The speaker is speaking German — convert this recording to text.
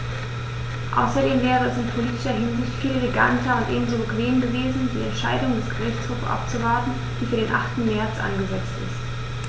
Außerdem wäre es in politischer Hinsicht viel eleganter und ebenso bequem gewesen, die Entscheidung des Gerichtshofs abzuwarten, die für den 8. März angesetzt ist.